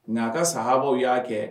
Nka a ka saaabaa y'a kɛ